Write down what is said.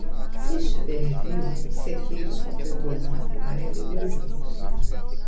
se estiver vivo sequeiros completou ontem quarenta e dois anos